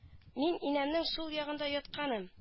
Мин инәмнең сул ягында ятканым